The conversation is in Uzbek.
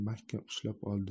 mahkam ushlab oldi